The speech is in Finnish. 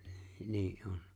niin on